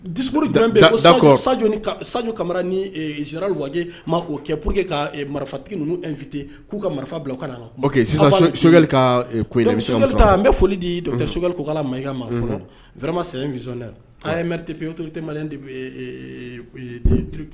Dusupuru d saj kamara niliwa ma k'o kɛ pur que ka marifati ninnufit k'u ka marifa bila ka kan sisanli ka n bɛ foli ditɛ sokɛli kokala maka maa fɔlɔma sɛsɔnɛ a mrete peooro tema de